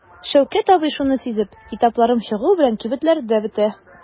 Шәүкәт абый шуны сизеп: "Китапларым чыгу белән кибетләрдә бетә".